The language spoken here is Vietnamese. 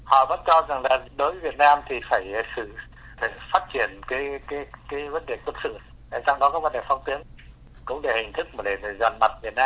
họ vẫn cho rằng đối với việt nam thì phải xử phát triển cái cái cái vấn đề quân sự trong đó có vấn đề phong kiến cũng đề hình thức để dằn mặt việt nam